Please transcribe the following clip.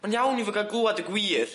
Ma'n iawn i fo ga'l glwad y gwir.